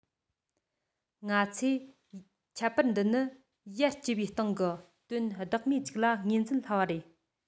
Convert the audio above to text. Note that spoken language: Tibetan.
ང ཚོས ཁྱད པར འདི ནི ཡར སྐྱེ བའི སྟེང གི དོན ལྡོག མེད ཅིག ལ ངོས འཛིན སླ བ རེད